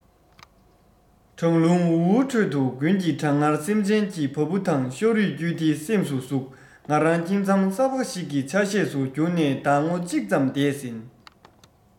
གྲང རླུང འུར འུར ཁྲོད དུ དགུན གྱི གྲང ངར སེམས ཅན གྱི བ སྤུ དང ཤ རུས བརྒྱུད དེ སེམས སུ ཟུག ང རང ཁྱིམ ཚང གསར པ ཞིག གི ཆ ཤས སུ གྱུར ནས ཟླ ངོ གཅིག ཙམ འདས ཟིན